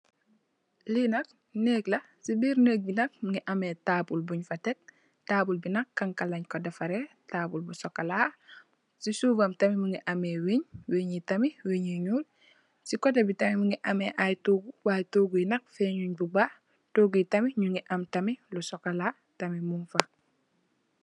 Liinak nekla si birr nekbi nak mungi ameh tabule buñfa tek tabule bi nak xanxa lenko defareh tabule bu socola si suffam tam mungi ameh weñ weñyi tamit weñ yu ñul si koteh bi tamit mungi ameh ayy togu y toguyi nak feñuñ bu bakh toguyi tamit ñingi am tamit lu socola mofa nek.